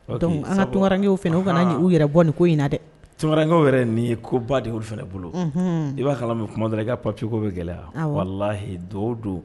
Tunkarakararankekɛw fɛ o kana u yɛrɛ bɔ nin ko in na dɛ tunkarakararankaww yɛrɛ nin ye koba de olu fana bolo i b'a kala min kuma i ka ppiko bɛ gɛlɛya walahi do don